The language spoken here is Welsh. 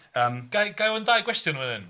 Yym... ga'i ofyn dau gwestiwn yn fan hyn?